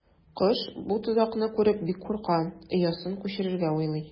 Кош бу тозакны күреп бик курка, оясын күчерергә уйлый.